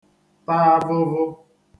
ta avụ̄vụ̄